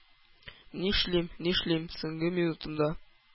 Нишлим, нишлим, соңгы минутымда